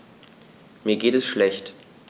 Mir geht es schlecht.